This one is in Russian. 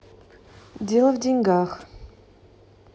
дело в деньгах